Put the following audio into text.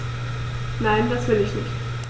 Nein, das will ich nicht.